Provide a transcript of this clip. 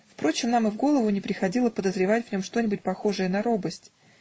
Впрочем, нам и в голову не приходило подозревать в нем что-нибудь похожее на робость.